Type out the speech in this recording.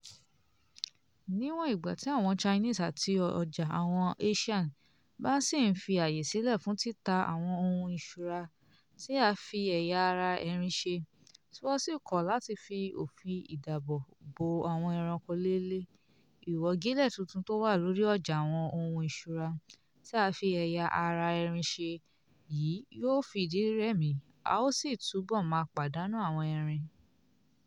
Níwọ̀n ìgbà tí àwọn Chinese àti ọjà àwọn Asian bá ṣì ń fi aàyè sílẹ̀ fún títa àwọn ohun ìṣura tí a fi ẹ̀yà ara erin ṣe, tí wọ́n sì kọ̀ láti fi ofin ìdábò bo àwọn ẹranko lélẹ̀, ìwọ́gilé tuntun tó wà lórí ọjà àwọn ohun ìṣura tí a fi ẹ̀yà ara erin ṣe yìí yóò fìdí rẹmi, a ó sì túbọ̀ máa pàdánu àwọn erin.